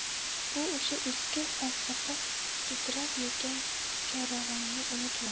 bu o'sha eski falsafa sudrab yurgan chorig'ingni unutma